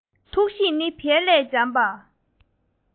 ཐུགས གཤིས ནི བལ ལས འཇམ པ